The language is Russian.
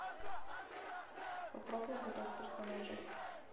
попробуй угадать персонажа